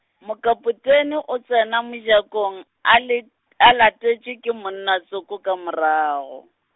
mokapotene o tsena mojakong a le, a latetšwe ke monnatsoko morago.